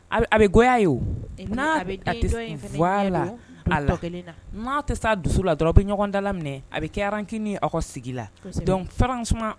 A be a be goy'a ye o n'aa a te s e ni a be den dɔ in fɛnɛ voilà ɲɛdon a la a tɔkelen na n'a te s'a dusu la dɔrɔn a' be ɲɔgɔn dalaminɛ a be kɛ rancune ye aw ka sigi la kosɛbɛ donc franchement